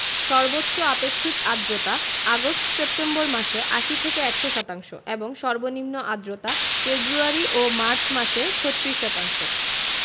সর্বোচ্চ আপেক্ষিক আর্দ্রতা আগস্ট সেপ্টেম্বর মাসে ৮০ থেকে ১০০ শতাংশ এবং সর্বনিম্ন আর্দ্রতা ফেব্রুয়ারি ও মার্চ মাসে ৩৬ শতাংশ